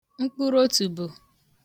mkpụrụotùbò